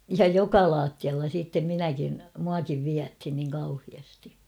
ja joka lattialla sitten minäkin minuakin vietiin niin kauheasti